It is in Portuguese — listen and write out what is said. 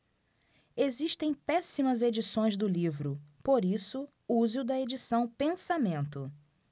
existem péssimas edições do livro por isso use o da edição pensamento